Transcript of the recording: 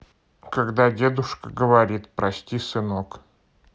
как дедушка говорит прости сынок